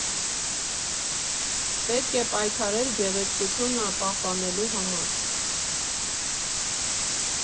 Պետք է պայքարել գեղեցկությունը պահպանելու համար։